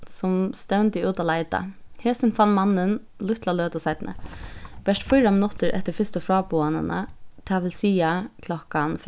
sum stevndi út at leita hesin fann mannin lítla løtu seinni bert fýra minuttir eftir fyrstu fráboðanina tað vil siga klokkan